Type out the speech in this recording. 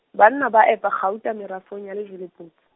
banna ba epa kgauta, merafong ya Lejweleputs-.